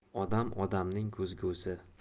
odam odamning ko'zgusi